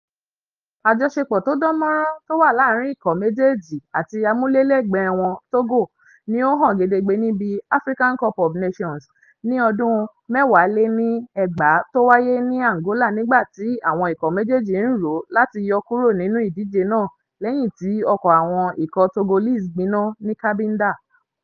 Àjọsepọ̀ tó dán mọ́rán tó wà láàárìn ikọ̀ méjéèjì àtí amúlélẹ́gbẹ̀ẹ́ wọn Togo ni ó hàn gédégédé níbi African Cup of Nations ní 2010 tó wáyé ní Angola nígbà tí àwọn ikọ̀ méjéèjì ń ròó láti yọ kúró nínú ìdíje náà lẹ́yìn tí ọkọ̀ àwọn ikọ̀ Togolese gbiná ni Cabinda.